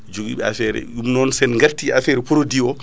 jogui affaire re ɗum non sen garti e affaire re produit o